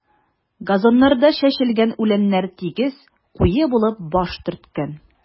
Газоннарда чәчелгән үләннәр тигез, куе булып баш төрткән.